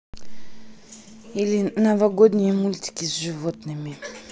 новогодние мультики с животными